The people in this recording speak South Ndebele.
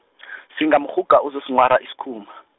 singamrhuga uzosinghwara isikhumba.